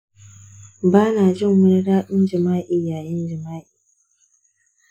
ba na jin wani daɗin jima’i yayin jima’i.